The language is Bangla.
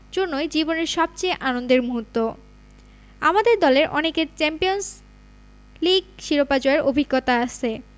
জন্যই জীবনের সবচেয়ে আনন্দের মুহূর্ত আমাদের দলের অনেকের চ্যাম্পিয়নস লিগ শিরোপা জয়ের অভিজ্ঞতা আছে